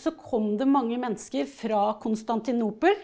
så kom det mange mennesker fra Konstantinopel.